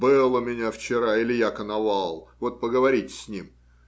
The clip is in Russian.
Был у меня вчера Илья-коновал: вот поговорите с ним.